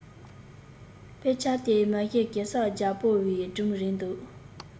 དཔེ ཆ དེ མ གཞི གེ སར རྒྱལ པོའི སྒྲུང རེད འདུག